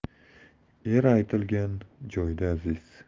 er aytilgan joyda aziz